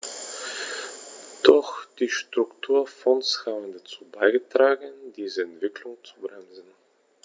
Doch die Strukturfonds haben dazu beigetragen, diese Entwicklung zu bremsen.